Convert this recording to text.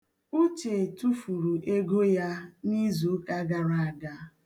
Uche tụfuru ego ya n'izuụka gara aga.